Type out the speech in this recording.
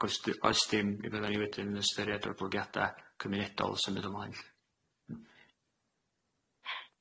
Ag os dy- oes dim mi fyddan ni wedyn yn ystyried goblygiada cymunedol sy'n mynd ymlaen lly.